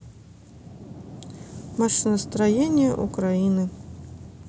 машиностроение украины